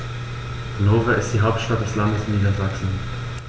Hannover ist die Hauptstadt des Landes Niedersachsen.